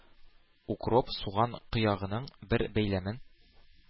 Укроп, суган кыягының бер бәйләмен